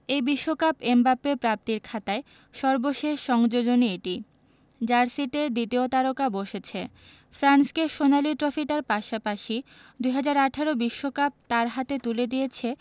এই বিশ্বকাপ এমবাপ্পের প্রাপ্তির খাতায় সর্বশেষ সংযোজনই এটি জার্সিতে দ্বিতীয় তারকা বসেছে ফ্রান্সকে সোনালি ট্রফিটার পাশাপাশি ২০১৮ বিশ্বকাপ তাঁর হাতে তুলে দিয়েছে